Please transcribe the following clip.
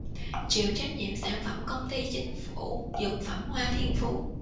chịu trách nhiệm sản phẩm công ty chính phủ dược phẩm hoa thiên phú